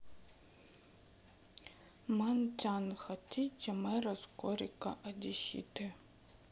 мантян хотите мэра скорика одесситы